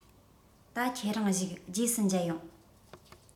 ད ཁྱེད རང བཞུགས རྗེས སུ མཇལ ཡོང